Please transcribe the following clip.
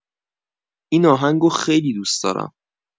این آهنگو خیلی دوست دارم